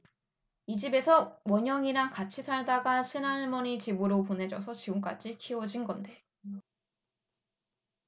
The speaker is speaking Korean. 이 집에서 원영이랑 같이 살다가 친할머니 집으로 보내져서 지금까지 키워진 건데